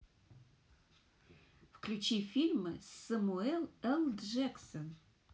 включи фильмы с самуэль эл джексон